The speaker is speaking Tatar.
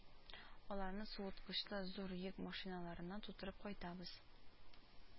Аларны суыткычлы зур йөк машиналарына тутырып кайтартабыз